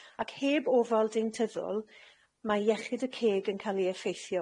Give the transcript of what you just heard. ac heb ofal deintyddol ma' iechyd y ceg yn ca'l ei effeithio.